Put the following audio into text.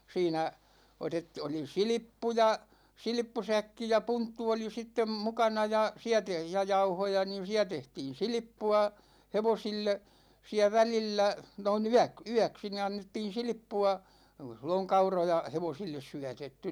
siinä - oli silppuja silppusäkki ja punttu oli sitten mukana ja siellä - ja jauhoja niin siellä tehtiin silppua hevosille siellä välillä noin - yöksi niin annettiin silppua ei suinkaan silloin kauroja hevosille syötetty